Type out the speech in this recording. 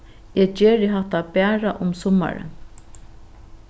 eg geri hatta bara um summarið